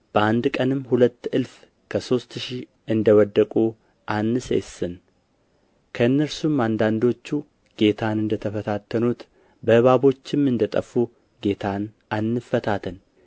በአንድ ቀንም ሁለት እልፍ ከሦስት ሺህ እንደ ወደቁ አንሴስን ከእነርሱም አንዳንዶቹ ጌታን እንደ ተፈታተኑት በእባቦቹም እንደ ጠፉ ጌታን አንፈታተን